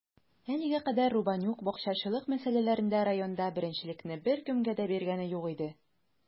Әлегә кадәр Рубанюк бакчачылык мәсьәләләрендә районда беренчелекне беркемгә дә биргәне юк иде.